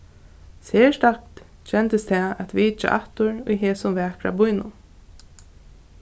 serstakt kendist tað at vitja aftur í hesum vakra býnum